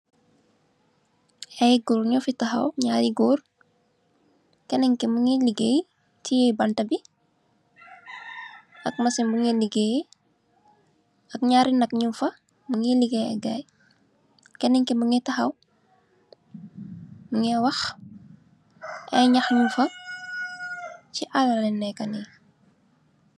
Aye goor nufe tahaw nyari goor kenen ke muge legai teye banta be ak maccin bumu legeye ak nyari naak nugfa muge legai ak gay kenen ke muge tahaw muge wah aye naax nugfa se alaa len neka nee.